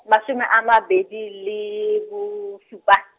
mashome a mabedi le bosupa.